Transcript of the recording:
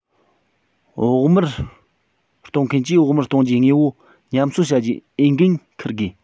བོགས མར གཏོང མཁན གྱིས བོགས མར གཏོང རྒྱུའི དངོས པོ ཉམས གསོ བྱ རྒྱུའི འོས འགན འཁུར དགོས